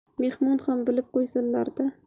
mehmon ham bilib qo'ysinlar da